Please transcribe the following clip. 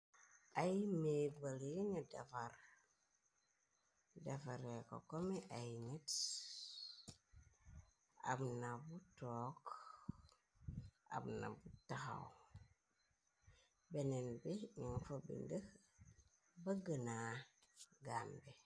Ay meeg bala yeñu defareeko ko mi ay nit abna bu took amna bu taxaw beneen bi ñun fo bi ndëx bëggëna gam be.